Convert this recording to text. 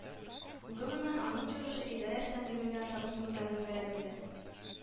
Гомумән, аның чыгышы идарә эшчәнлеге белән таныштырудан гыйбәрәт иде